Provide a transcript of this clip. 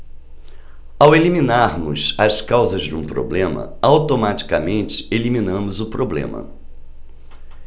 ao eliminarmos as causas de um problema automaticamente eliminamos o problema